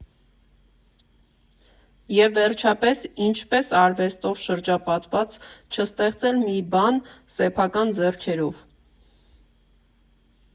Եվ վերջապես, ինչպե՞ս արվեստով շրջապատված չստեղծել մի բան սեփական ձեռքերով։